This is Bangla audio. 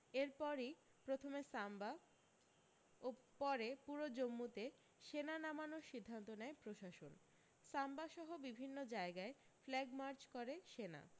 এরপরি প্রথমে সাম্বা ও পরে পুরো জমমুতে সেনা নামানোর সিদ্ধান্ত নেয় প্রশাসন সাম্বা সহ বিভিন্ন জায়গায় ফ্ল্যাগমার্চ করে সেনা